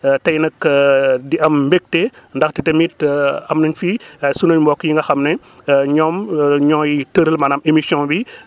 tey nag di am mbégte ndaxte tamit am nañ fi sunuy mbokk yi nga xam ne ñoom ñooy tëral maanaam émission bi